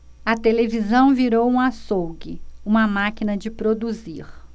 a televisão virou um açougue uma máquina de produzir